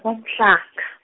uMhlanga.